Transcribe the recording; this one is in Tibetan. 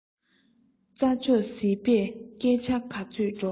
རྩ མཆོག ཟིལ པས སྐད ཆ གོ ཚོད འགྲོ